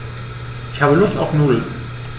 Ich habe Lust auf Nudeln.